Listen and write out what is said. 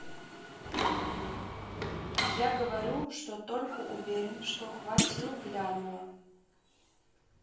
я говорю что только уверен что хватил глянула